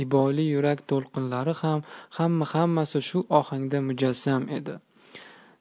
iboli yurak to'lqinlari ham ham m a ham m asi shu ohangda mujassam edi